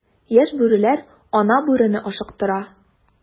Яшь бүреләр ана бүрене ашыктыра.